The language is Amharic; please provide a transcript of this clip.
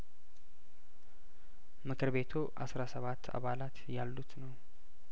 ምክር ቤቱ አስራ ስባት አባላት ያሉት ነው